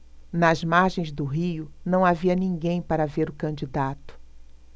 nas margens do rio não havia ninguém para ver o candidato